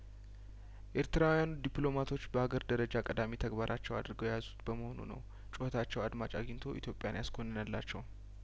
ኤርትራዊያን ዲፕሎማቶች በአገር ደረጃ ቀዳሚ ተግባራቸው አድርገው የያዙት በመሆኑ ነው ጩኸታቸው አድማጭ አግኝቶ ኢትዮጵያን ያስኮነነላቸው